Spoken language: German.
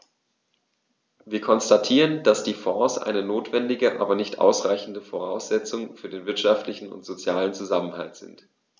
Wir konstatieren, dass die Fonds eine notwendige, aber nicht ausreichende Voraussetzung für den wirtschaftlichen und sozialen Zusammenhalt sind.